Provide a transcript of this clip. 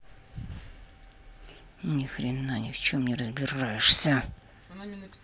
нихрена нивчем не разбираешься